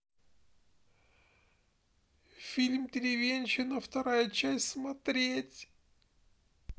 фильм деревенщина вторая часть смотреть